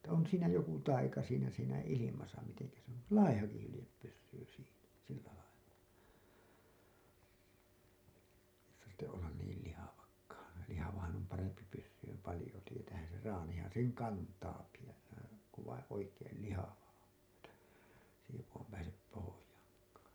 että on siinä joku taika siinä siinä ilmassa miten se on laihakin hylje pysyy siinä sillä lailla tarvitse olla niin lihavakaan lihavahan on parempi pysymään paljon tietäähän sen traanihan sen kantaakin jos se kun vain oikein lihava on että se ei joku pääse pohjaankaan